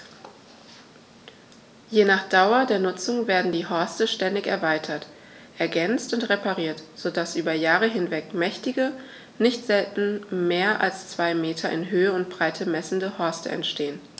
Je nach Dauer der Nutzung werden die Horste ständig erweitert, ergänzt und repariert, so dass über Jahre hinweg mächtige, nicht selten mehr als zwei Meter in Höhe und Breite messende Horste entstehen.